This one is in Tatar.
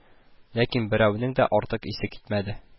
Ләкин берәүнең дә артык исе китмәде